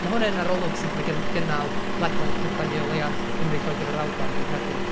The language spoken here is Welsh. Ma' hwn yn arolwg sy'n cael ei gy- gynnal ledled Prydain neu o leia Cymru Lloegr a'r Alban dwi'n credu.